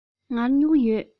ང ལ སྨྱུ གུ ཡོད